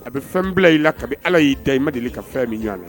A bɛ fɛn bila i ka bɛ ala y'i da i ma deli ka fɛn min ɲɔgɔn na